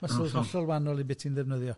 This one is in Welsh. Muscles yn ollol wahanol i be' ti'n ddefnyddio.